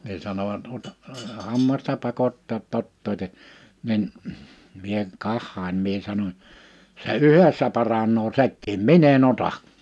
niin sanoivat - hammasta pakottaa että ottakaa niin minä katsoin minä sanoin se yhdessä paranee sekin minä en ota